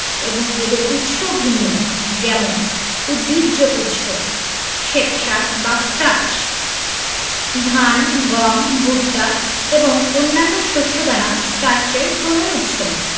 এবং এদের উৎসও ভিন্ন যেমন উদ্ভিজ্জ উৎস শ্বেতসার বা স্টার্চ ধান গম ভুট্টা এবং অন্যান্য শস্য দানা স্টার্চের প্রধান উৎস